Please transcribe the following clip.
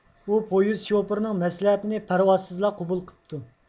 ئۇ پويىز شوپۇرىنىڭ مەسلىھەتىنى پەرۋاسىزلا قوبۇل قىپتۇ